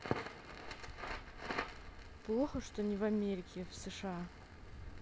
плохо что не в америке в сша